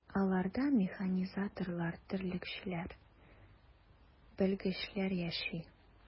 Аларда механизаторлар, терлекчеләр, белгечләр яши.